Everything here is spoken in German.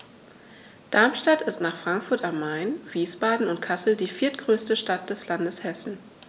Darmstadt ist nach Frankfurt am Main, Wiesbaden und Kassel die viertgrößte Stadt des Landes Hessen